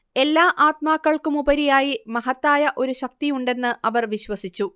എല്ലാ ആത്മാക്കൾക്കുമുപരിയായി മഹത്തായ ഒരു ശക്തിയുണ്ടെന്ന് അവർ വിശ്വസിച്ചു